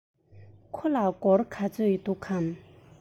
ཁོ ལ སྒོར ག ཚོད འདུག གམ